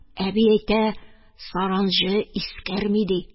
Әби әйтә... саранҗы искерми, ди.